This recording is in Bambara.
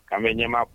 ' bɛ ɲɛmaa kuwa